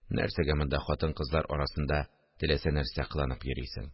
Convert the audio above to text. Нәрсәгә монда хатын-кызлар арасында теләсә нәрсә кыланып йөрисең